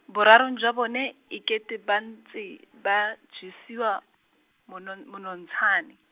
borarong jwa bone, e kete ba ntse, ba, jesiwa, monon- monontshane.